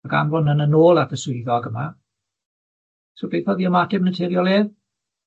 Ac anfon yna nôl at y swyddog yma, so beth o'dd i ymateb naturiol ef?